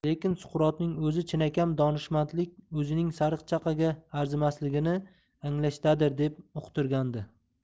lekin suqrotning o'zi chinakam donishmandlik o'zining sariqchaqaga arzimasligini anglashdadir deb uqtirgandi